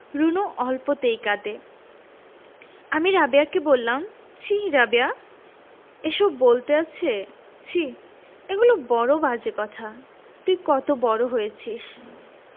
রুনু অল্পতেই কাঁদে আমি রাবেয়াকে বললাম ছিঃ রাবেয়া এসব বলতে আছে ছিঃ এগুলো বড় বাজে কথা তুই কত বড় হয়েছিস